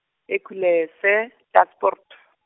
Ekwilese Daspoort.